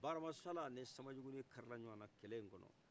bakaramasala ni sambajugunin kari la ɲɔgɔn na kɛlɛ in kɔnɔ